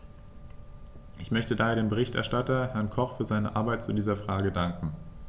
Ich möchte daher dem Berichterstatter, Herrn Koch, für seine Arbeit zu dieser Frage danken.